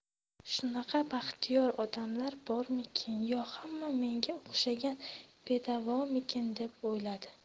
shunaqa baxtiyor odamlar bormikin yo hamma menga o'xshagan bedavomikin deb o'yladi